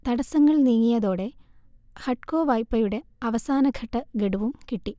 തടസ്സങ്ങൾ നീങ്ങിയതോടെ ഹഡ്കോ വായ്പയുടെ അവസാനഘട്ട ഗഡുവും കിട്ടി